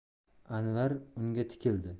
anvar unga tikildi